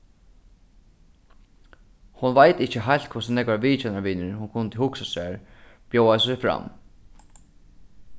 hon veit ikki heilt hvussu nógvar vitjanarvinir hon kundi hugsa sær bjóðaðu seg fram